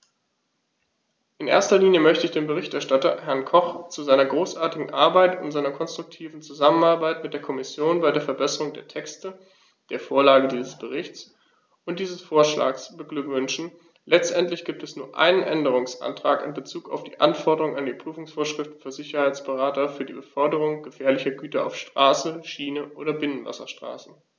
In erster Linie möchte ich den Berichterstatter, Herrn Koch, zu seiner großartigen Arbeit und seiner konstruktiven Zusammenarbeit mit der Kommission bei der Verbesserung der Texte, der Vorlage dieses Berichts und dieses Vorschlags beglückwünschen; letztendlich gibt es nur einen Änderungsantrag in bezug auf die Anforderungen an die Prüfungsvorschriften für Sicherheitsberater für die Beförderung gefährlicher Güter auf Straße, Schiene oder Binnenwasserstraßen.